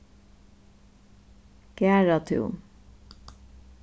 garðatún